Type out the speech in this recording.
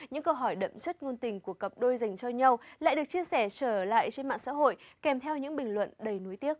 những câu hỏi đậm chất ngôn tình của cặp đôi dành cho nhau lại được chia sẻ trở lại trên mạng xã hội kèm theo những bình luận đầy nuối tiếc